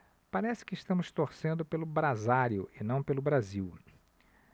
parece que estamos torcendo pelo brasário e não pelo brasil